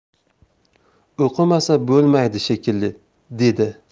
o'qimasa bo'lmaydi shekilli dedi